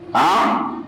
Ann